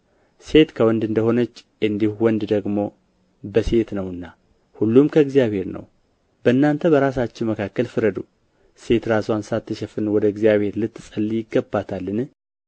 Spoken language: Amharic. ሴት ከወንድ እንደ ሆነች እንዲሁ ወንድ ደግሞ በሴት ነውና ሁሉም ከእግዚአብሔር ነው በእናንተ በራሳችሁ መካከል ፍረዱ ሴት ራስዋን ሳትሸፍን ወደ እግዚአብሔር ልትጸልይ ይገባታልን